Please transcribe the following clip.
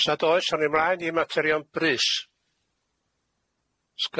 Os nad oes awn ni 'mlaen i materion brys.